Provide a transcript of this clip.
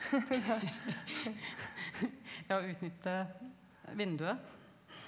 ja utnytte vinduet.